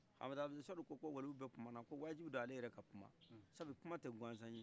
muhamɛd abudulayi suhadu ko ko waliyou bɛ kumana ko wajubido ale yɛrɛ ka kuma sabu kuma tɛ gansan ye